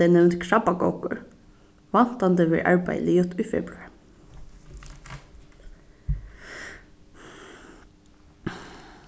tey nevnd krabbagoggur væntandi verður arbeiðið liðugt í februar